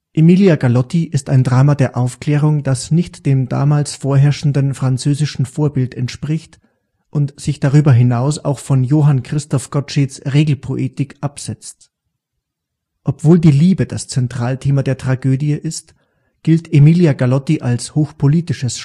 Emilia Galotti ist ein Drama der Aufklärung, das nicht dem damals vorherrschenden französischen Vorbild entspricht und sich darüber hinaus auch von Johann Christoph Gottscheds Regelpoetik absetzt. Obwohl die Liebe das Zentralthema der Tragödie ist, gilt Emilia Galotti als hochpolitisches